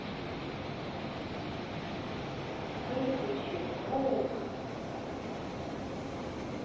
выключи звук